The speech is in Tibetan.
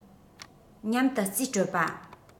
མཉམ དུ རྩིས སྤྲོད པ